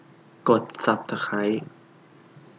กดสับตะไคร้